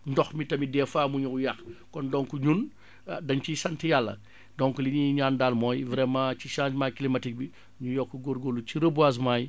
ndox mi tamit des fois mu ñëw yàq kon donc ñun dañ ciy sant Yàlla donc li ñuy ñaan daal mooy vraiment si changement climatque bi ñu yokk góorgóorlu ci reboisement yi